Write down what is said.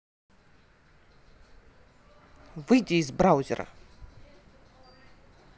выйди из браузера